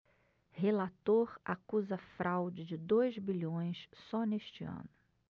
relator acusa fraude de dois bilhões só neste ano